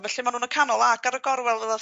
felly ma' nw'n y canol ag ar y gorwel fel o'dd...